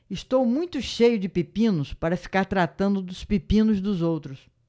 estou muito cheio de pepinos para ficar tratando dos pepinos dos outros